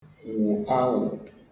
wụ awụ̀